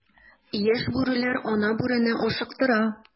Яшь бүреләр ана бүрене ашыктыра.